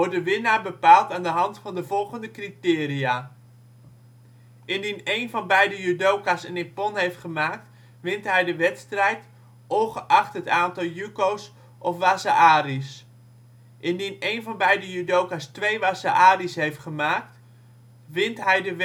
de winnaar bepaald aan de hand van de volgende criteria: indien een van beide judoka 's een ippon heeft gemaakt, wint hij de wedstrijd, ongeacht het aantal yuko 's of waza-ari 's indien een van beide judoka 's twee waza-ari 's heeft gemaakt wint hij de